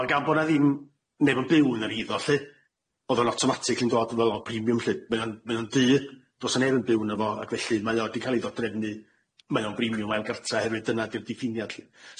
Wel gan bo' na ddim neb yn byw yn yr eiddo lly o'dd o'n automatic yn dod fel o premium lly mae o'n mae o'n dŷ, dosa neb yn byw na fo ag felly mae o wedi ca'l ei ddodrefnu, mae o'n bremiwn, mae o'n gartra oherwydd dyna ydi'r diffiniad lly.